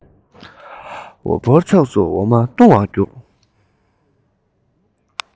འོ ཕོར ཕྱོགས སུ འོ མ བཏུང བར བརྒྱུགས